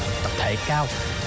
tập thể cao